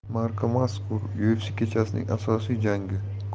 marcamazkur ufc kechasining asosiy janggi konor